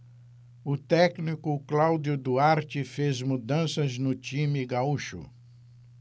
o técnico cláudio duarte fez mudanças no time gaúcho